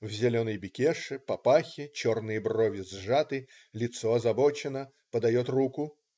В зеленой бекеше, папахе, черные брови сжаты, лицо озабочено, подает руку.